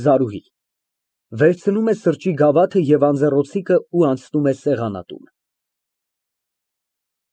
ԶԱՐՈՒՀԻ ֊ (Վերցնում է սրճի գավաթն ու անձեռնոցիկը և անցնում է սեղանատուն)։